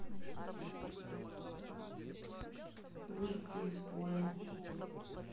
выйти из боя